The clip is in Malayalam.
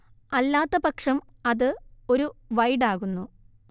അല്ലാത്തപക്ഷം അത് ഒരു വൈഡാകുന്നു